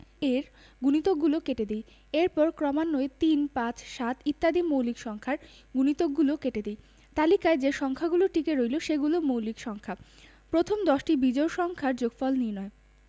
এর গুণিতকগলো কেটে দেই এরপর ক্রমান্বয়ে ৩ ৫ এবং ৭ ইত্যাদি মৌলিক সংখ্যার গুণিতকগুলো কেটে দিই তালিকায় যে সংখ্যাগুলো টিকে রইল সেগুলো মৌলিক সংখ্যা প্রথম দশটি বিজোড় সংখ্যার যোগফল নির্ণয়